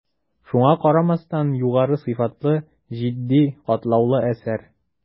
Шуңа карамастан, югары сыйфатлы, житди, катлаулы әсәр.